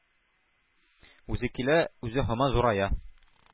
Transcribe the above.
Үзе килә, үзе һаман зурая...